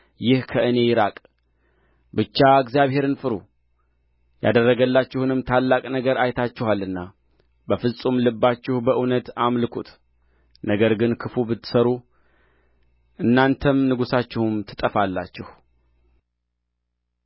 ይህ ከእኔ ይራቅ ብቻ እግዚአብሔርን ፍሩ ያደረገላችሁንም ታላቅ ነገር አይታችኋልና በፍጹም ልባችሁ በእውነት አምልኩት ነገር ግን ክፉ ብትሠሩ እናንተም ንጉሣችሁም ትጠፋላችሁ